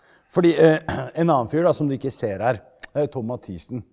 fordi en annen fyr da som du ikke ser her er Tom Mathisen.